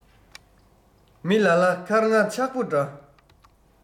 མི ལ ལ མཁར རྔ ཆག པོ འདྲ